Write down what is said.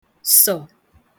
sọ̀